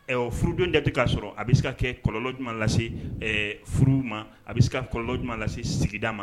Furudon date k'a sɔrɔ a bɛ se ka kɛ kɔ jumɛnuma lase furu ma a bɛ se ka kɔ jumɛnuma lase sigida ma